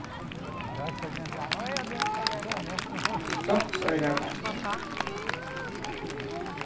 stoksoyrarbakki